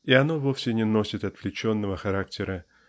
и оно вовсе не носит отвлеченного характера